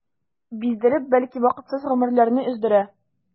Биздереп, бәлки вакытсыз гомерләрне өздерә.